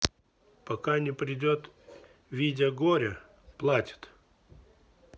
пока не придет видя горе платит